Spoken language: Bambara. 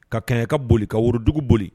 Ka kɛɲɛka boli ka worodugu boli